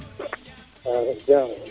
yaare jam